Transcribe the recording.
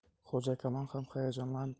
xo'ja kalon ham hayajonlanib